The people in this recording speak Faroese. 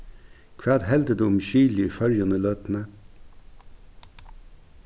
hvat heldur tú um skilið í føroyum í løtuni